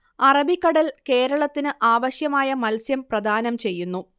അറബിക്കടൽ കേരളത്തിന് ആവശ്യമായ മത്സ്യം പ്രദാനം ചെയ്യുന്നു